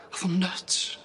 O'dd o'n nuts.